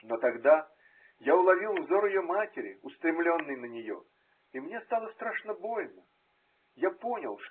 – Но тогда я уловил взор ее матери, устре мленный на нее. и мне стало страшно больно. Я понял.